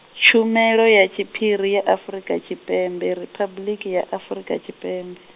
Tshumelo ya Tshiphiri ya Afrika Tshipembe Riphabuḽiki ya Afrika Tshipembe.